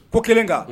Ko kelen kan